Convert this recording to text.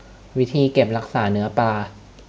วิธีเก็บรักษาเนื้อปลา